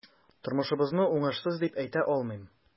Тормышыбызны уңышсыз дип әйтә алмыйм.